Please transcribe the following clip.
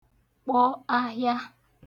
kpọ ahịa